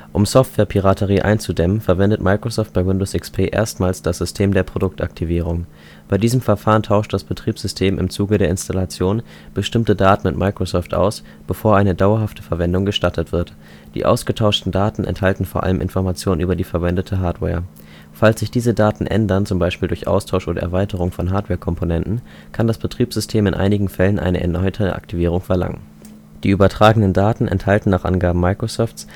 Um Software-Piraterie einzudämmen, verwendet Microsoft bei Windows XP erstmals das System der Produktaktivierung. Bei diesem Verfahren tauscht das Betriebssystem im Zuge der Installation bestimmte Daten mit Microsoft aus, bevor eine dauerhafte Verwendung gestattet wird. Die ausgetauschten Daten enthalten vor allem Informationen über die verwendete Hardware. Falls sich diese Daten ändern, zum Beispiel durch Austausch oder Erweiterung von Hardware-Komponenten, kann das Betriebssystem in einigen Fällen eine erneute Aktivierung verlangen. Die übertragenen Daten enthalten nach Angaben Microsofts